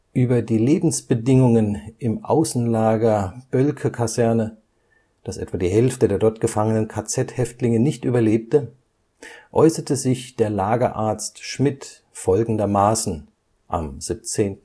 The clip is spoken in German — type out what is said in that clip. Über die Lebensbedingungen im Außenlager Boelckekaserne, das etwa die Hälfte der dort gefangenen KZ-Häftlinge nicht überlebte, äußerte sich der Lagerarzt Schmidt folgendermaßen: „ Die